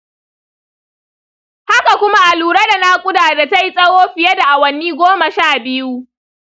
haka kuma a lura da nakuda da ta yi tsawo fiye da awanni goma sha biyu.